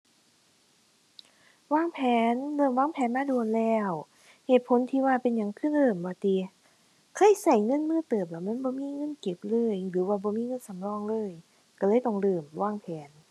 วางแผน เริ่มวางแผนมาโดนแล้ว เหตุผลที่ว่าเป็นหยังคือเริ่มว่าติ เคยใช้เงินมือเติบละมันบ่มีเงินเก็บเลยหรือว่าบ่มีเงินสำรองเลย ใช้เลยต้องเริ่มวางแผน